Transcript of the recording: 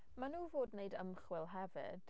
Maen nhw fod yn wneud ymchwil hefyd.